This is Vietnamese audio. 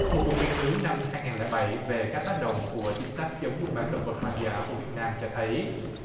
một cuộc nghiên cứu năm hai ngàn lẻ bảy về các tác động của chính sách chống buôn bán động vật hoang dã của việt nam cho thấy